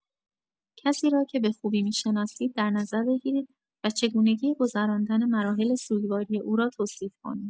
کسی را که به خوبی می‌شناسید در نظر بگیرید و چگونگی گذراندن مراحل سوگواری او را توصیف کنید.